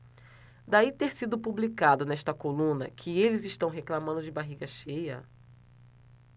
daí ter sido publicado nesta coluna que eles reclamando de barriga cheia